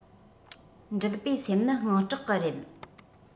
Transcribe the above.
འགྲུལ པའི སེམས ནི དངངས སྐྲག གི རེད